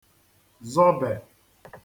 zọbè